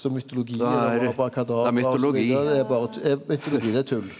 så mytologien om abrakadabra osv. det er berre er mytologi det er tull.